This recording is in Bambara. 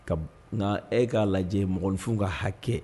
Ka n' e'a lajɛ minfin ka hakɛ